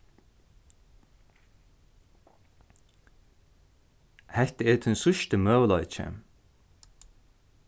hetta er tín síðsti møguleiki